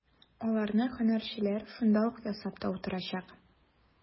Аларны һөнәрчеләр шунда ук ясап та утырачак.